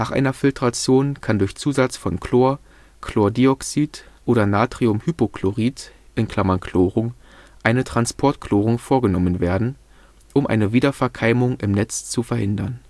einer Filtration kann durch Zusatz von Chlor, Chlordioxid oder Natriumhypochlorit (Chlorung) eine Transportchlorung vorgenommen werden, um eine Wiederverkeimung im Netz zu verhindern